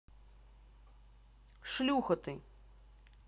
шлюха ты